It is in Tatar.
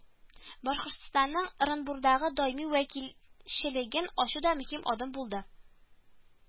Башкортстанның Ырымбурдагы даими вәкил челеген ачу да мөһим адым булды